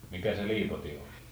mikä se liipotin on